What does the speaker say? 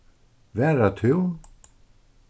varðatún